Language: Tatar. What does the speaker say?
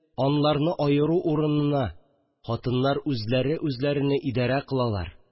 Анларны аеру урынына хатыннар үзләре үзләрене идарә кылалар